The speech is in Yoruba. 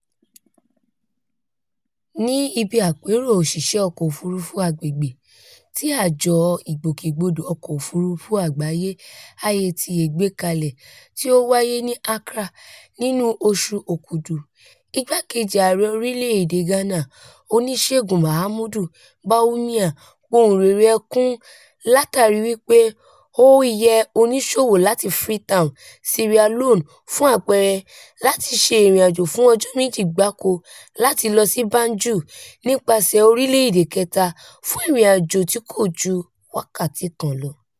Ní ibi àpérò òṣìṣẹ́ ọkọ̀-òfuurufú agbègbè tí Àjọ Ìgbókègbódò Ọkọ̀-òfuurufú Àgbáyé (IATA) gbé kalẹ̀ tí ó wáyé ní Accra nínúu oṣù Òkúdù, Igbákejì Ààrẹ Orílẹ̀-èdèe Ghana, Oníṣègùn Mahamudu Bawumia pohùnréré-ẹkún látàríi wípé “ó yẹ oníṣòwò láti Freetown [Sierra Leone], fún àpẹẹrẹ, láti ṣe ìrìnàjò fún ọjọ́ méjì gbáko láti lọ sí Banjul (nípasẹ̀ẹ orílẹ̀-èdè kẹ́ta) fún ìrìnàjò tí kò ju wákàtí kan lọ.“